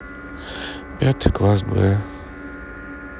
пятый класс б